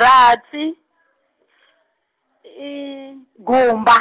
rathi, gumba.